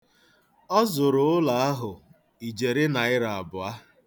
Ọ zụrụ ụlọ ahụ ijeri naịra abụọ.